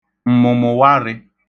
m̀mụ̀mụ̀warị̄